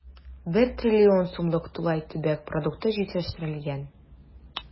1 трлн сумлык тулай төбәк продукты җитештерелгән.